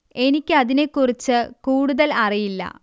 എനിക്ക് അതിനെ കുറിച്ച് കൂടുതൽ അറിയില്ല